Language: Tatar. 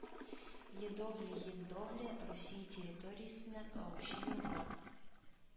Едовля Ендовля Русия территориясеннән агучы елга